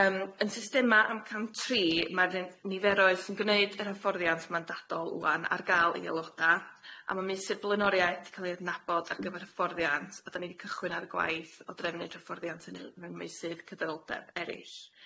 Yym yn systema amcam tri ma'r n- niferoedd sy'n gneud yr hyfforddiant mandadol ŵan ar ga'l i aeloda' a ma' meysydd blaenoriaeth ca'l i adnabod ar gyfer hyfforddiant a dan ni'n cychwyn ar y gwaith o drefnu'r hyfforddiant hynny mewn meysydd cyfynoldeb erill.